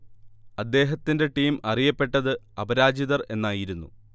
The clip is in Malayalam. അദ്ദേഹത്തിന്റെ ടീം അറിയപ്പെട്ടത് അപരാജിതർ എന്നായിരുന്നു